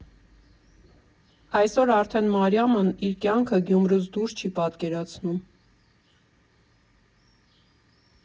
Այսօր արդեն Մարիամն իր կյանքը Գյումրուց դուրս չի պատկերացնում։